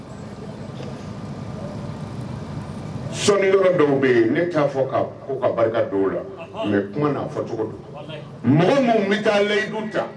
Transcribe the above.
Sɔɔni yɔrɔ dɔw bɛ yen nea fɔ ka barika fɔ cogo mɔgɔ minnu bɛ taa yidu ta